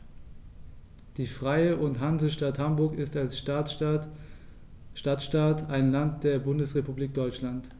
Die Freie und Hansestadt Hamburg ist als Stadtstaat ein Land der Bundesrepublik Deutschland.